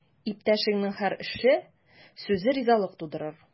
Иптәшеңнең һәр эше, сүзе ризалык тудырыр.